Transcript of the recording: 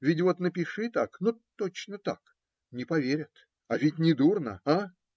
Ведь вот напиши так, ну точно так - не поверят! А ведь недурно, а?